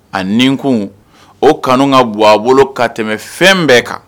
A nin kun o kanu ka bɔ a bolo ka tɛmɛ fɛn bɛɛ kan